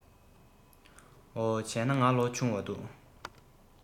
འོ བྱས ན ང ལོ ཆུང བ འདུག